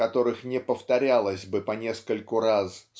в которых не повторялось бы по нескольку раз